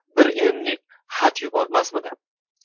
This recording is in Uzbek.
bir enlik xat yubormasmidi